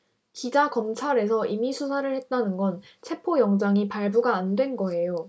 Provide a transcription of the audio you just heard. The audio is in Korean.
기자 검찰에서 임의수사를 했다는 건 체포영장이 발부가 안 된 거예요